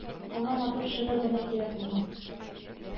Аңа матур шигырь генә кирәк булган